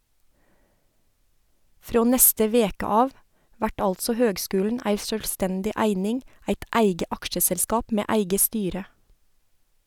Frå neste veke av vert altså høgskulen ei sjølvstendig eining, eit eige aksjeselskap med eige styre.